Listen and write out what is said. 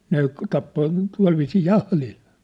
ne tappoi tuolla viisiin jahdilla